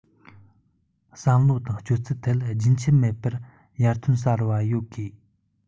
བསམ བློ དང སྤྱོད ཚུལ ཐད རྒྱུན ཆད མེད པར ཡར ཐོན གསར པ ཡོད དགོས